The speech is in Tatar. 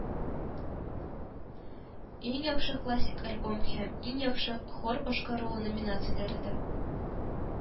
“иң яхшы классик альбом” һәм “иң яхшы хор башкаруы” номинацияләрендә